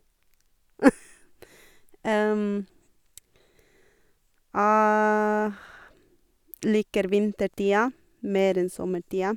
Jeg liker vintertida mer enn sommertida.